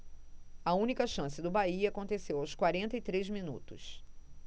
a única chance do bahia aconteceu aos quarenta e três minutos